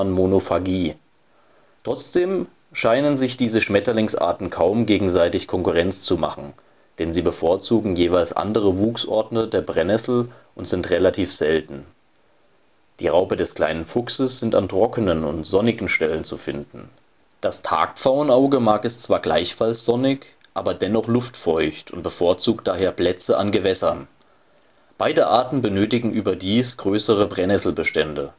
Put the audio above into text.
Monophagie). Trotzdem scheinen sich diese Schmetterlingsarten kaum gegenseitig Konkurrenz zu machen, denn sie bevorzugen jeweils andere Wuchsorte der Brennnessel oder sind relativ selten. Die Raupen des Kleinen Fuchses sind an trockenen und sonnigen Stellen zu finden Das Tagpfauenauge mag es zwar gleichfalls sonnig, aber dennoch luftfeucht und bevorzugt daher Plätze an Gewässern. Beide Arten benötigen überdies größere Brennnesselbestände